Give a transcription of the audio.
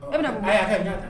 I bɛna mɔgɔya kɛ na